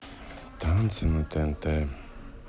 танцы на тнт